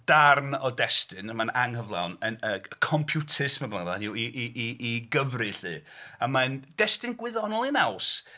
Darn o destun a mae'n anghyflawn. Yn yy computus hynny yw, i... i... i gyfri 'lly a mae'n destun gwyddonol ei naws.